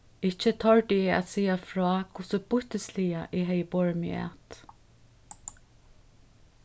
ikki tordi eg at siga frá hvussu býttisliga eg hevði borið meg at